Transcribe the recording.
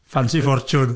Ffansi Ffortiwn.